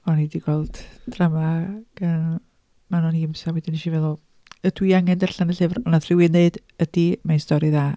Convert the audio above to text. O'n i 'di gweld drama gan Manon Eames a wedyn wnes i feddwl, "ydw i angen darllen y llyfr?" Ond wnaeth rhywun ddeud "ydy mae'n stori dda".